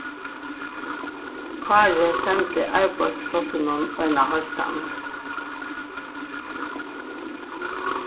kári sendi arbeiðsplássinum eina heilsan